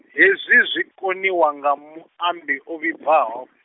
hezwi zwi koniwa nga muambi o vhibvaho.